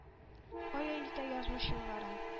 Кая илтә язмыш юлларын,